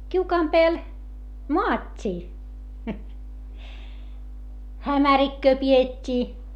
kiukaan päällä maattiin hämärikköä pidettiin